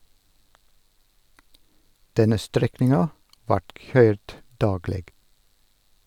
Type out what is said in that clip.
Denne strekninga vart køyrd dagleg.